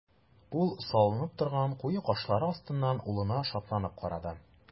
Ул салынып торган куе кашлары астыннан улына шатланып карады.